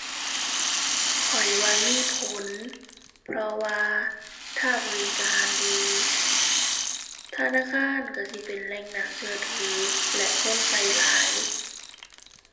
ข้อยว่ามีผล เพราะว่าถ้าบริการดี ธนาคารก็สิเป็นแหล่งน่าก็ถือ และคนก็หลาย